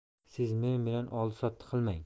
siz men bilan oldi sotti qilmang